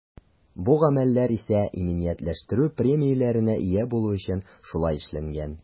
Бу гамәлләр исә иминиятләштерү премияләренә ия булу өчен шулай эшләнгән.